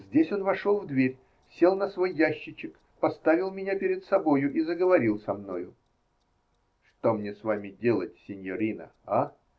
Здесь он вошел в дверь, сел на свой ящичек, поставил меня перед собой и заговорил со мною: "Что мне с вами делать, синьорина, а?